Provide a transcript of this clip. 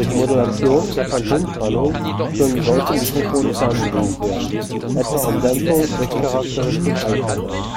Modulation der Phantomspannung können solche Mikrofone fernbedient werden, etwa um Dämpfung / Richtcharakteristik einzustellen